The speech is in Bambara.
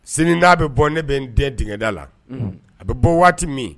Sini' bɛ bɔ ne bɛ n den dda la a bɛ bɔ waati min